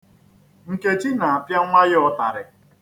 Nkechi na-apịa nnwa ya ụtarị.